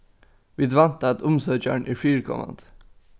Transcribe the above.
vit vænta at umsøkjarin er fyrikomandi